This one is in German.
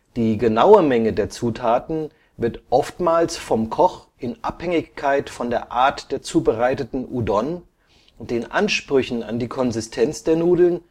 Die genaue Menge der Zutaten wird oftmals vom Koch in Abhängigkeit von der Art der zubereiteten Udon, den Ansprüchen an die Konsistenz der Nudeln